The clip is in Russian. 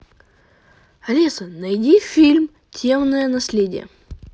алиса найди фильм темное наследие